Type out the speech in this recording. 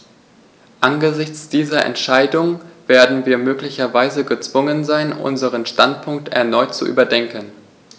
Angesichts dieser Entscheidung werden wir möglicherweise gezwungen sein, unseren Standpunkt erneut zu überdenken.